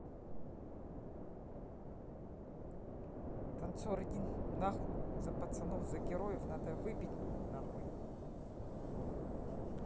танцор иди ты нахуй за пацанов за героев надо выпить нахуй